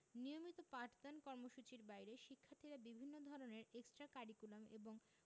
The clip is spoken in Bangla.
নিয়মিত পাঠদান কর্মসূচির বাইরে শিক্ষার্থীরা বিভিন্ন ধরনের এক্সটা কারিকুলাম এবং